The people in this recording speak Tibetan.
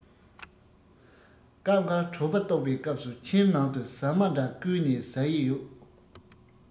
སྐབས འགར གྲོད པ ལྟོགས པའི སྐབས སུ ཁྱིམ ནང དུ ཟ མ འདྲ བརྐུས ནས ཟ ཡི ཡོད